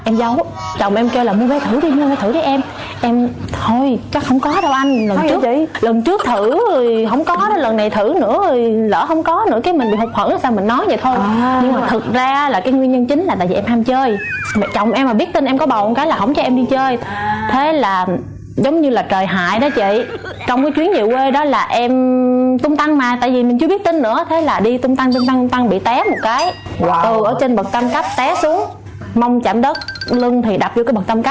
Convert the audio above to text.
em giấu chồng em kêu là mua que thử đi mua que thử đi em em thôi chắc hông có đâu anh sao dậy chị lần lần trước thử rồi hông có lần này thử nữa rồi lỡ hổng có rồi cái mình bị hụt hẫng sao mình nói vậy thôi nhưng mà thực ra á là cái nguyên nhân chính là tại vì em ham chơi mẹ chồng em mà biết tin em có bầu một cái là hổng cho em đi chơi thế là giống như là trời hại đó chị trong cái chuyến về quê đó là em tung tăng mà tại vì mình chưa biết tin nữa thế là đi tung tăng tung tăng tung tăng bị té một cái oao từ ở trên bậc tam cấp té xuống mông chạm đất lưng thì đập dô bậc tam cấp